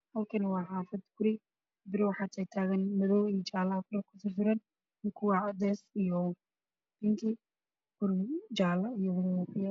Halkaan waa guri biro waxaa taagtaagan madow iyo jaale ah oo darbiga suran iyo kuwo cadeys iyo bingi ah, jaale iyo fiyool.